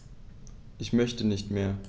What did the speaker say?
Ich möchte nicht mehr.